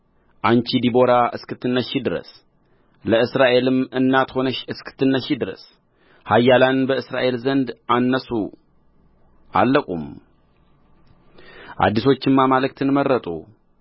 አንቺ ዲቦራ እስክትነሽ ድረስ ለእስራኤልም እናት ሆነሽ እስክትነሽ ድረስ ኃያላን በእስራኤል ዘንድ አነሱ አለቁም አዲሶች አማልክትን መረጡ